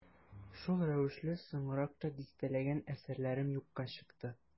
Шул рәвешле соңрак та дистәләгән әсәрләрем юкка чыкты.